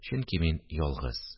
Чөнки мин ялгыз